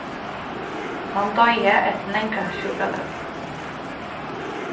hann doyði eftir langa sjúkralegu